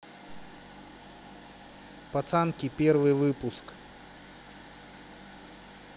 пацанки первый выпуск